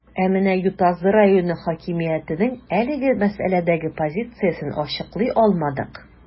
Ә менә Ютазы районы хакимиятенең әлеге мәсьәләдәге позициясен ачыклый алмадык.